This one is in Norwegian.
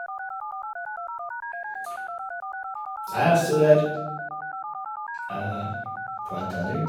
Jeg studerer på NTNU.